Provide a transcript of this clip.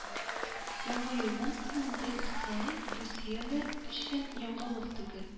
Яңа елдан соң мондый хәл русиялеләр өчен яңалык түгел